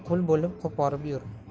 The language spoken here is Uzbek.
qul bo'lib qo'porib yur